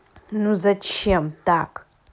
ну зачем так